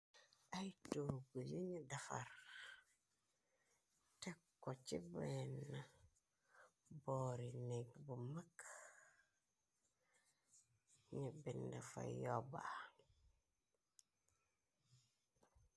Ay turg yi ñu defar tek ko ci benn boori nég bu mag ñu bind fa yobba.